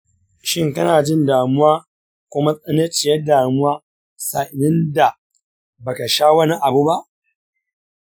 shin kana jin damuwa ko matsananciyar damuwa sa'ilin da ba ka sha wani abu ba?